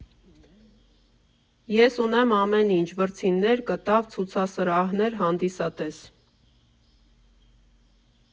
Ես ունեմ ամեն ինչ՝ վրձիններ, կտավ, ցուցասրահներ, հանդիսատես։